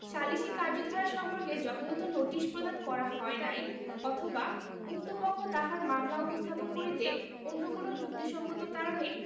সালিসী কার্যধারা সম্পর্কে যথাযথ নোটিশ প্রদান করা হয় নাই অথবা উক্ত পক্ষ তাহার মামলা উপস্থাপন করিতে অন্য কোন যুক্তিসংগত কারণে